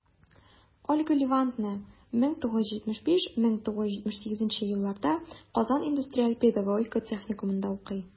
Ольга Левадная 1975-1978 елларда Казан индустриаль-педагогика техникумында укый.